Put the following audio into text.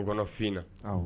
Fin na